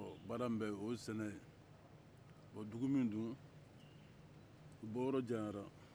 ɔ baara min bɛ yen o ye sɛnɛ ye wa dugu min don u bɔyɔrɔ janyara